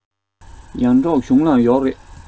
ཡར འབྲོག གཞུང ལ ཡོག རེད